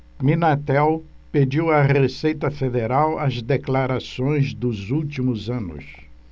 minatel pediu à receita federal as declarações dos últimos anos